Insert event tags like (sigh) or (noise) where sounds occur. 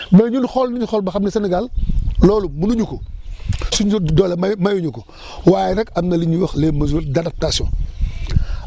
mais ñun xool nañu xool ba xam ne Sénégal (noise) loolu munuñu ko suñu doole may mayuñu ko (breath) waaye nag am na lu ñuy wax les mesures d' adaptation (breath)